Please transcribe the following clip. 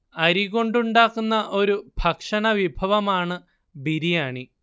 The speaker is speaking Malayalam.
അരി കൊണ്ടുണ്ടാക്കുന്ന ഒരു ഭക്ഷണ വിഭവമാണ് ബിരിയാണി